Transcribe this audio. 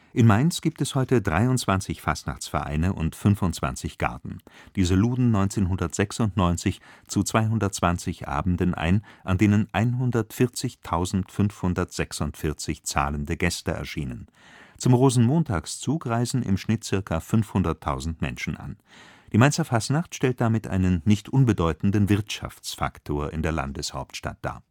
In Mainz gibt es heute 23 Fastnachtsvereine und 25 Garden. Diese luden 1996 zu 220 Abenden ein, an denen 140.546 zahlende Gäste erschienen. Zum Rosenmontagszug reisen im Schnitt ca. 500.000 Menschen an. Die Mainzer Fastnacht stellt damit einen nicht unbedeutenden Wirtschaftsfaktor in der Landeshauptstadt dar